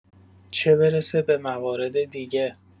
چه برسه به موارد دیگه.